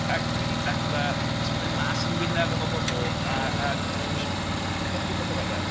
Ag dwi 'di dadlau nes mod i'n las yn 'y ngwyneb efo bobl a... a dan nhw jyst ddim isio gwybod... Ddim isho credu pethau 'ma 'de.